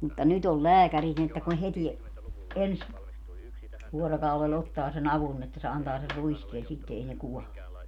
mutta nyt on lääkärit niin että kun heti ensi vuorokaudella ottaa sen avun niin että se antaa sen ruiskeen sitten ei ne kuole